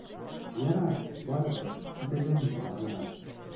Ярар, барыбер, китәргә мөмкин, Гайнан.